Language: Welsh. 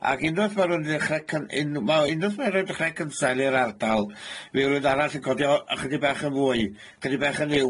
Ac unweth ma' nw'n myn' i ddechre cyn- un- wel unwaith ma' roi dechre cynsail i'r ardal, mi fydd r'wun arall yn codi o chydig bach yn fwy, chydig bach yn uwch.